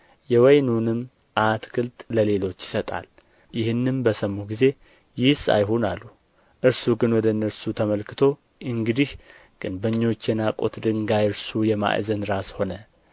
የወይኑንም አትክልት ለሌሎች ይሰጣል ይህንም በሰሙ ጊዜ ይህስ አይሁን አሉ እርሱ ግን ወደ እነርሱ ተመልክቶ እንግዲህ ግንበኞች የናቁት ድንጋይ እርሱ የማዕዘን ራስ ሆነ